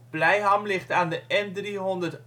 Blijham ligt aan de N368